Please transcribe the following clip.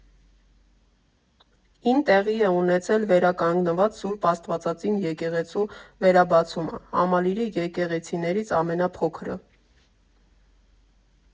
֊ին տեղի է ունեցել վերականգնված Սուրբ Աստվածածին եկեղեցու վերաբացումը (համալիրի եկեղեցիներից ամենափոքրը)։